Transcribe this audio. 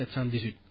sept cent dix huit